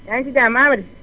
yaa ngi ci jàmm Amady